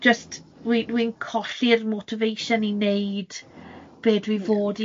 ...ond just, 'wi 'wi'n colli'r motivation i 'neud be dwi fod